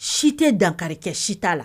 Si tɛ dankari kɛ si t'a la